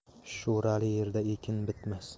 sho'rali yerda ekin bitmas